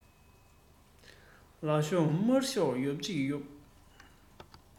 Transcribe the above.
ལག ཤོག དམར གཅིག གཡོབ གཉིས གཡོབ